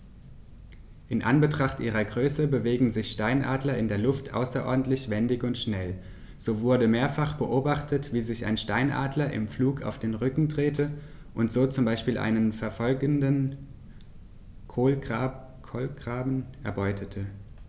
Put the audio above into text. In Anbetracht ihrer Größe bewegen sich Steinadler in der Luft außerordentlich wendig und schnell, so wurde mehrfach beobachtet, wie sich ein Steinadler im Flug auf den Rücken drehte und so zum Beispiel einen verfolgenden Kolkraben erbeutete.